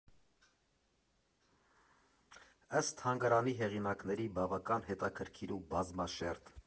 Ըստ թանգարանի հեղինակների՝ բավական հետաքրքիր ու բազմաշերտ։